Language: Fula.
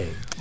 eyyi